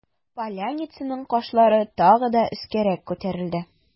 Поляницаның кашлары тагы да өскәрәк күтәрелде.